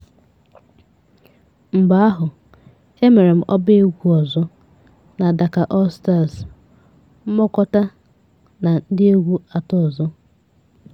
Mgbe ahụ, emere m ọbaegwu ọzọ na Dakar All Stars, mkpokọta na ndị egwu 3 ọzọ.